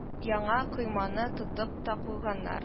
Яңа койманы тотып та куйганнар